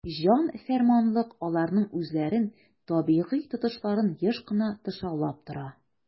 "җан-фәрманлык" аларның үзләрен табигый тотышларын еш кына тышаулап тора.